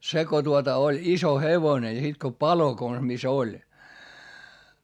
se kun tuota oli iso hevonen ja sitten kun palo konsa missä oli